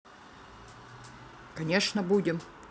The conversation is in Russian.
конечно будем